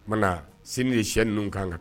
O mana sini ni sɛ ninnu kan